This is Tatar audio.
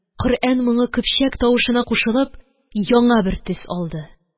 Коръән моңы, көпчәк тавышына кушылып, яңа бер төс алды